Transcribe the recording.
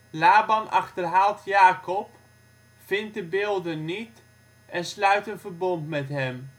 Laban achterhaalt Jakob, vindt de beelden niet, en sluit een verbond met hem